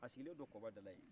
as sigilen d'o kɔba da la yen